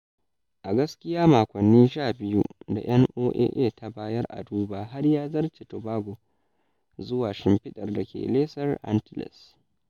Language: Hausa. A gaskiya, makonni 12 da NOAA ta bayar a duba har ya zarce Tobago zuwa shimfiɗar da ke Lesser Antilles.